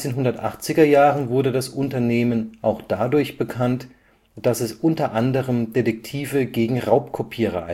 1980er Jahren wurde das Unternehmen auch dadurch bekannt, dass es unter anderem Detektive gegen Raubkopierer